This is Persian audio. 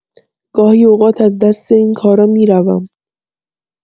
گاهی اوقات از دست اینکارا می‌روم!